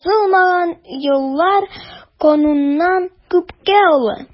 Язылмаган йолалар кануннан күпкә олы.